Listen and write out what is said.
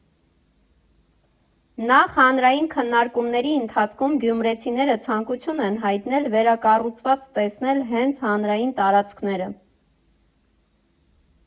Նախ՝ հանրային քննարկումների ընթացքում գյումրեցիները ցանկություն են հայտնել վերակառուցված տեսնել հենց հանրային տարածքները։